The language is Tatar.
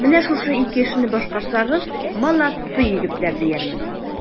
Менә шушы ике эшне башкарсагыз, молодцы, егетләр, диярмен.